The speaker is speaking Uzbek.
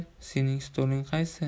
sening stoling qaysi